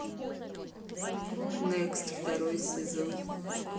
некст второй сезон